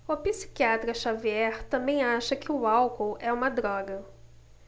o psiquiatra dartiu xavier também acha que o álcool é uma droga